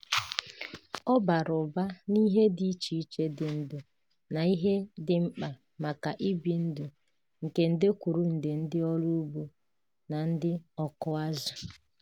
Ọ bara ụba n'ihe dị iche iche dị ndụ na ihe dị mkpa maka ibi ndụ nke nde kwụrụ nde ndị ọrụ ugbo na ndị ọkụ azụ.